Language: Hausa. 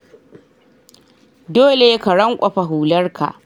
Dole ka rankwafa hular ka.